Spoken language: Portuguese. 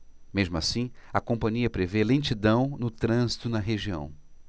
mesmo assim a companhia prevê lentidão no trânsito na região